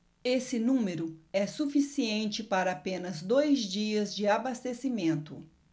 esse número é suficiente para apenas dois dias de abastecimento